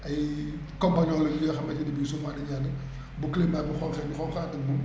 ay compagnons yooyu yi nga xamante ne bii souvent dañuy ànd bu climat bi xonkee ñu xonk ànd ak moom